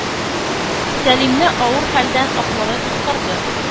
Сәлимне авыр хәлдән Ак бабай коткарды.